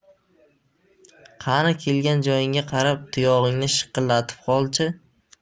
qani kelgan joyingga qarab tuyog'ingni shiqillatib qol chi